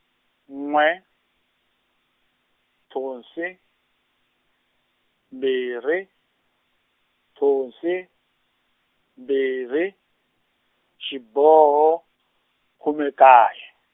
n'we thonsi mbirhi thonsi mbirhi xiboho khume nkaye.